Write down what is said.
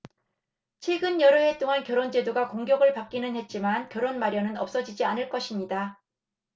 최근 여러 해 동안 결혼 제도가 공격을 받기는 했지만 결혼 마련은 없어지지 않을 것입니다